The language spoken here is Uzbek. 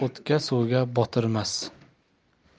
o'tga suvga botirmas